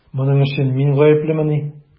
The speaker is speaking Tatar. Моның өчен мин гаеплемени?